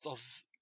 o'dd